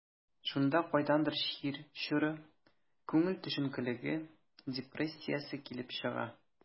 Шунда кайдандыр чир чоры, күңел төшенкелеге, депрессиясе килеп чыга.